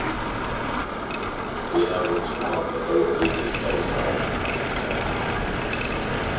eg havi hugsað um pápa hvørja viku í fleiri ár